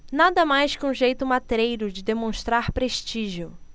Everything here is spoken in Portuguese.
nada mais que um jeito matreiro de demonstrar prestígio